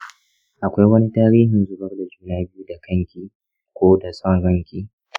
akwai wani tarihin zubar da juna biyu da kanki ko da son ranki?